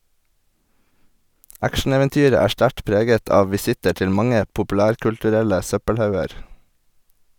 Actioneventyret er sterkt preget av visitter til mange populærkulturelle søppelhauger.